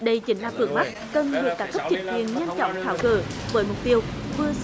đây chính là vướng mắc cần được các cấp chính quyền nhanh chóng tháo gỡ với mục tiêu